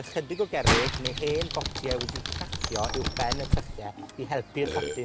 ychydig o gerrig ne' hen botie wedi cracio uwchben y tylle, i helpu'r potyn